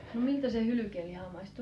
no miltä se hylkeenliha maistuu